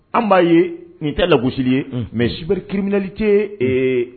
An b'a ye nin tɛ lagosili ye ;Un; mais cyber criminalité ee